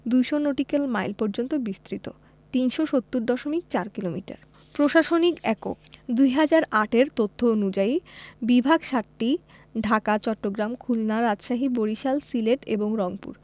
২০০ nautical mile ৩৭০ দশমিক ৪ kilometre পর্যন্ত বিস্তৃত প্রশাসনিক এককঃ ২০০৮ এর তথ্য অনুযায়ী বিভাগ ৭টি ঢাকা চট্টগ্রাম খুলনা রাজশাহী বরিশাল সিলেট এবং রংপুর